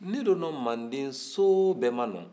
ne do nɔ manden so bɛɛ ma nɔ